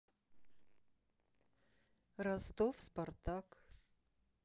ростов спартак